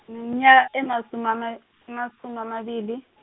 ngineminyaka emasumame- emasumi amabili.